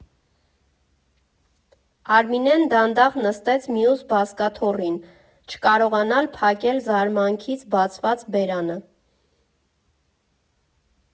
Արմինեն դանդաղ նստեց մյուս բազկաթոռին՝ չկարողանալ փակել զարմանքից բացված բերանը։